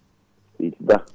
seydi Ba